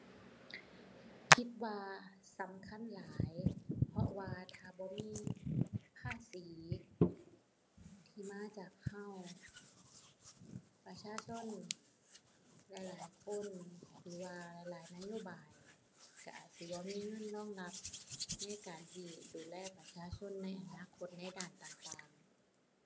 คิดว่าสำคัญหลาย เพราะว่าท่าบ่มี ภาษีที่มาจากเรา ประชาชน หลายหลายคนหรือว่าหลายนโยบาย เราอาจสิบ่มีเงินรองรับ ในการที่ดูแลประชาชนในอนาคตในด้านต่างต่าง